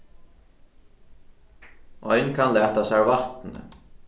ein kann lata sær vatnið